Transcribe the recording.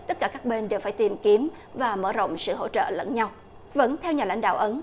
tất cả các bên đều phải tìm kiếm và mở rộng sự hỗ trợ lẫn nhau vẫn theo nhà lãnh đạo ấn